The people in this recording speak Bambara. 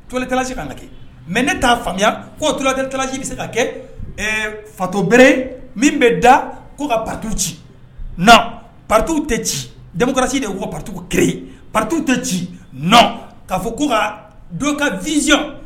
Toli tilala se ka na kɛ mɛ ne t'a faamuyaya kokɛla ci bɛ se ka kɛ fato bere min bɛ da ko ka patu ci patuw tɛ ci damasi de ko patu kɛra patuw tɛ ci n k'a fɔ ko ka do ka vzy